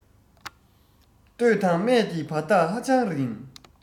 སྟོད དང སྨད ཀྱི བར ཐག ཧ ཅང རིང